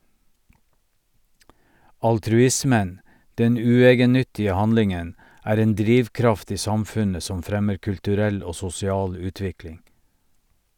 Altruismen, den uegennyttige handlingen, er en drivkraft i samfunnet som fremmer kulturell og sosial utvikling.